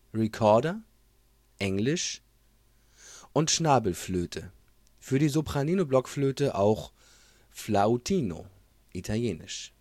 recorder (englisch) und Schnabelflöte, für die Sopranino-Blockflöte auch flautino (ital.